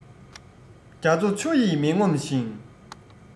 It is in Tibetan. རྒྱ མཚོ ཆུ ཡིས མི ངོམས ཤིང